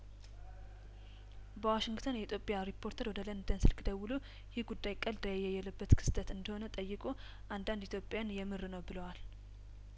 በዋሽንግተን የጦቢያ ሪፖርተር ወደ ለንደን ስልክ ደውሎ ይህ ጉዳይ ቀልድ ያየለበት ክስተት እንደሆነ ጠይቆ አንዳንድ ኢትዮጵያውያን የምር ነው ብለዋል